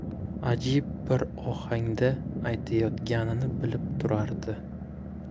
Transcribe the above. ajib bir ohangda aytayotganini bilib turardi